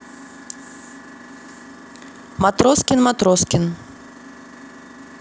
матроскин матроскин